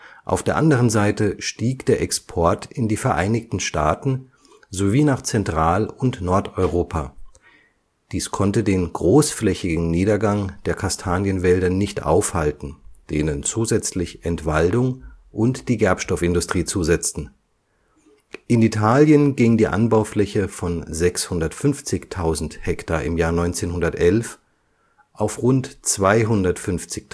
Auf der anderen Seite stieg der Export in die Vereinigten Staaten sowie nach Zentral - und Nordeuropa. Dies konnte den großflächigen Niedergang der Kastanienwälder nicht aufhalten, denen zusätzlich Entwaldung und die Gerbstoffindustrie zusetzten. In Italien ging die Anbaufläche von 650.000 Hektar 1911 auf rund 250.000